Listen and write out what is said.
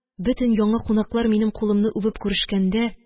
Бөтен яңы кунаклар минем кулымны үбеп күрешкәндә,